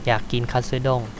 อยากกินคัทสึด้ง